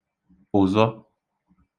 ụ̀zọ